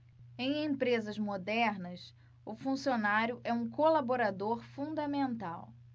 em empresas modernas o funcionário é um colaborador fundamental